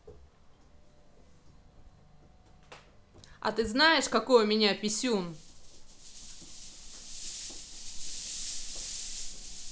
а ты знаешь какой у меня писюн